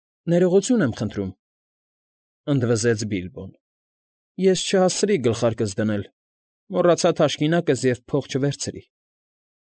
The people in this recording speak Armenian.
Ներողություն եմ խնդրում, ֊ ընդվզեց Բիլբոն,֊ ես չհասցրի գլխարկս դնել, մոռացա թաշկինակս և փող չվերցրի։